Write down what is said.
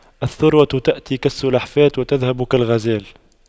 الثروة تأتي كالسلحفاة وتذهب كالغزال